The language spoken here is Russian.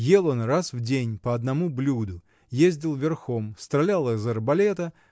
ел он раз в день по одному блюду, ездил верхом, стрелял из арбалета